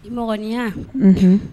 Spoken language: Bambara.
Nimɔgɔninya